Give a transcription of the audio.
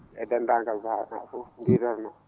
e denndaangal Bahaw naa?e fof *